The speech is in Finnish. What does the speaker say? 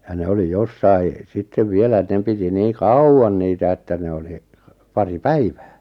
ja ne oli jossakin sitten vielä - ne piti niin kauan niitä että ne oli pari päivää